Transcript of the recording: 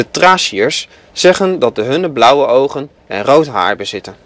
Thraciërs zeggen dat de hunne blauwe ogen en rood haar bezitten